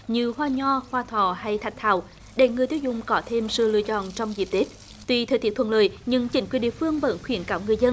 như hoa nho hoa thò hay thạch thảo để người tiêu dùng có thêm sự lựa chọn trong dịp tết tùy thời tiết thuận lợi nhưng chính quyền địa phương bởi khuyến cáo người dân